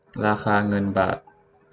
ราคาเงินบาท